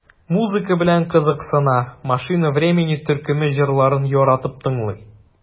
Музыка белән кызыксына, "Машина времени" төркеме җырларын яратып тыңлый.